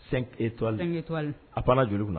To a joli kunna